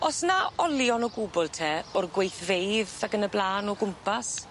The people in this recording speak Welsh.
O's 'na olion o gwbwl te o'r gweithfeydd ac yn y bla'n o gwmpas?